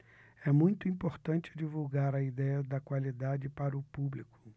é muito importante divulgar a idéia da qualidade para o público